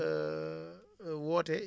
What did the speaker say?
woote